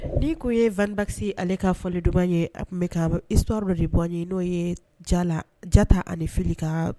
Ni ko ye2dasi ale ka fɔli dumanban ye a tun bɛ kato dɔ de bɔ n'o ye ja la jata ani fili ka